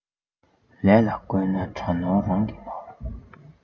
ལས ལ བཀོད ན དགྲ ནོར རང གི ནོར